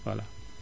voilà